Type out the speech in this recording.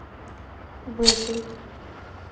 в этой